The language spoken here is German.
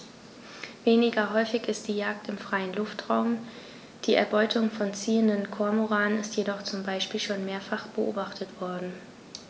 Weniger häufig ist die Jagd im freien Luftraum; die Erbeutung von ziehenden Kormoranen ist jedoch zum Beispiel schon mehrfach beobachtet worden.